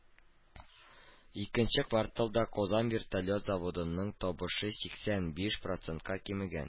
Икенче кварталда Казан вертолет заводының табышы сиксән биш процентка кимегән